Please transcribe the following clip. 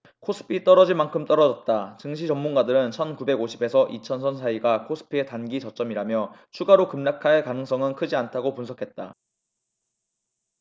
코스피 떨어질 만큼 떨어졌다증시 전문가들은 천 구백 오십 에서 이천 선 사이가 코스피의 단기 저점이라며 추가로 급락할 가능성은 크지 않다고 분석했다